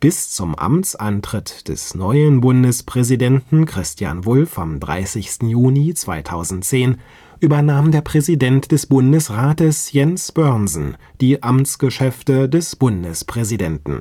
Bis zum Amtsantritt des neuen Bundespräsidenten Christian Wulff am 30. Juni 2010 übernahm der Präsident des Bundesrates Jens Böhrnsen die Amtsgeschäfte des Bundespräsidenten